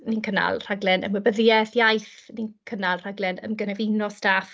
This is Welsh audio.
Ni'n cynnal rhaglen ymwybyddiaeth iaith, ni'n cynnal rhaglen ymgynefino staff.